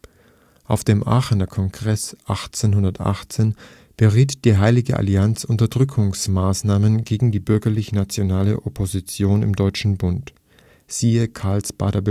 Auf dem Aachener Kongress 1818 beriet die Heilige Allianz Unterdrückungsmaßnahmen gegen die bürgerlich-nationale Opposition im Deutschen Bund (siehe Karlsbader